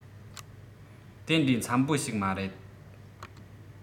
དེ འདྲའི འཚམས པོ ཞིག མ རེད